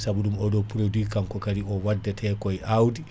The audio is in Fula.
saabu ɗum oɗo produit kanko kaadi o waddate kooye awdi